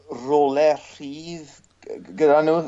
role rhydd gy- yy gyda n'w...